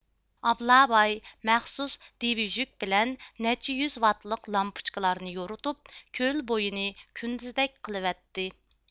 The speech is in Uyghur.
ئابلاباي مەخسۇس دىۋىژۈك بىلەن نەچچە يۈز ۋاتلىق لامپۇچكىلارنى يورۇتۇپ كۆل بويىنى كۈندۈزدەك قىلىۋەتتى